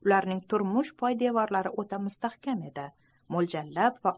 ularning turmush poydevorlari o'ta mustahkam edi